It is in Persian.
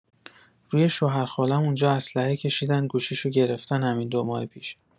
روی شوهر خالم اونجا اصلحه کشیدن گوشیشو گرفتن همین دوماه پیش